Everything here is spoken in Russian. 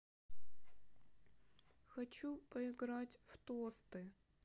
хочу поиграть в тосты